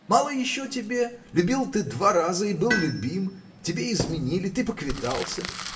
Мало еще тебе: любил ты два раза и был любим. Тебе изменили, ты поквитался.